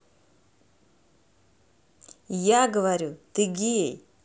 я говорю ты гей